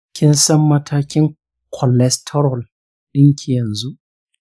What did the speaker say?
kinsan matakin cholesterol ɗinki yanzu?